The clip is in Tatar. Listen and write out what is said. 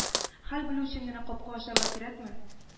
Хәл белү өчен генә капка ачарга кирәкме